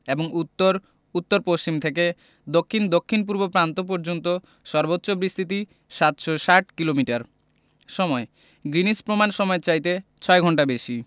এবং উত্তর উত্তর পশ্চিম থেকে দক্ষিণ দক্ষিণপূর্ব প্রান্ত পর্যন্ত সর্বোচ্চ বিস্তৃতি ৭৬০ কিলোমিটার সময়ঃ গ্রীনিচ প্রমাণ সমইয়ের চাইতে ৬ ঘন্টা বেশি